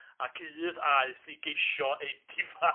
Ac udd aeth i geisio ei difa.